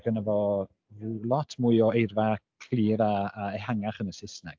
ma' gynna fo lot mwy o eirfa clir a a ehangach yn y Saesneg.